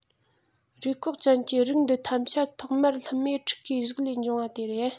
རུས སྐོགས ཅན གྱི རིགས འདི ཐམས ཅད ཐོག མར ལྷུ མེད ཕྲུ གུའི གཟུགས ལས འབྱུང བ དེ རེད